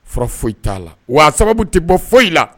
Fura foyi t'a la, wa sababu tɛ bɔ foyi la